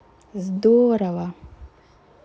здорова